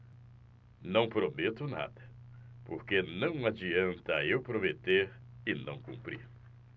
não prometo nada porque não adianta eu prometer e não cumprir